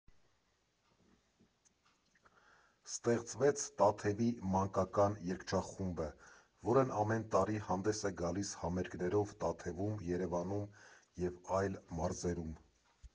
Ստեղծվեց Տաթևի մանկական երգչախումբը, որն ամեն տարի հանդես է գալիս համերգներով Տաթևում, Երևանում և այլ մարզերում։